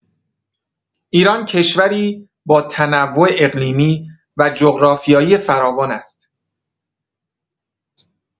ایران کشوری با تنوع اقلیمی و جغرافیایی فراوان است.